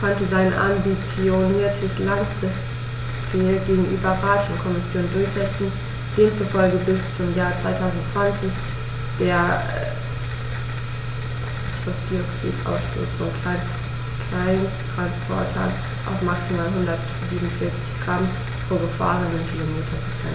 konnte sein ambitioniertes Langfristziel gegenüber Rat und Kommission durchsetzen, demzufolge bis zum Jahr 2020 der CO2-Ausstoß von Kleinsttransportern auf maximal 147 Gramm pro gefahrenem Kilometer begrenzt wird.